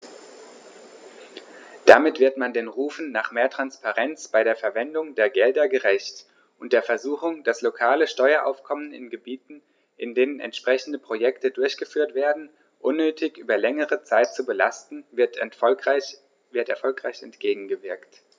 Damit wird man den Rufen nach mehr Transparenz bei der Verwendung der Gelder gerecht, und der Versuchung, das lokale Steueraufkommen in Gebieten, in denen entsprechende Projekte durchgeführt werden, unnötig über längere Zeit zu belasten, wird erfolgreich entgegengewirkt.